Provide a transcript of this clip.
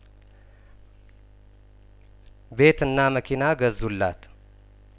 ቤት እና መኪና ገዙላት